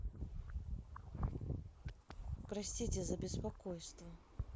простите за беспокойство